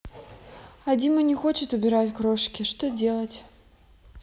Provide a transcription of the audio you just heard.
а дима не хочет убирать крошки что делать